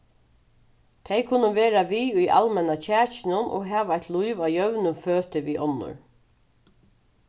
tey kunnu vera við í almenna kjakinum og hava eitt lív á jøvnum føti við onnur